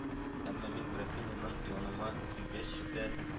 Әмма мин графиняның яныма килгәч тә